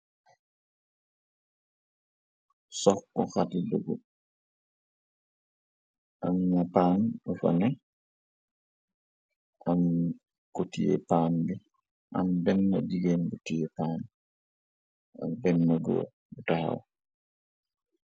Sokk xati dugu am nga paan bi am nit ko tiyé paan bi am benn jigéen bu tiyé paan bi ak benna goor bu taxaw.